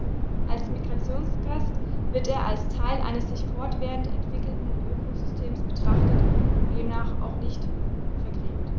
Als Migrationsgast wird er als Teil eines sich fortwährend entwickelnden Ökosystems betrachtet und demnach auch nicht vergrämt.